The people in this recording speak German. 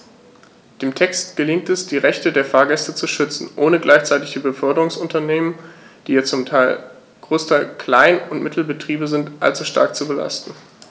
Dem Text gelingt es, die Rechte der Fahrgäste zu schützen, ohne gleichzeitig die Beförderungsunternehmen - die ja zum Großteil Klein- und Mittelbetriebe sind - allzu stark zu belasten.